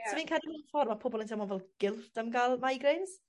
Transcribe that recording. Ie. ...so fi'n credu mewn ffor ma' pobol yn teimlo fel guilt am ga'l migraines.